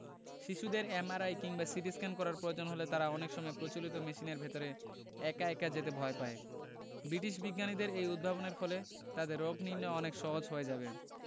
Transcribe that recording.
শিশুদের এমআরআই কিংবা সিটিস্ক্যান করার প্রয়োজন হলে তারা অনেক সময় প্রচলিত মেশিনের ভেতর একা একা যেতে ভয় পায় ব্রিটিশ বিজ্ঞানীদের এই উদ্ভাবনের ফলে তাদের রোগনির্নয় অনেক সহজ হয়ে যাবে